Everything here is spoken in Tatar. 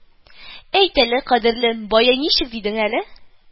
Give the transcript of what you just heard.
Әйт әле, кадерлем, бая ничек дидең әле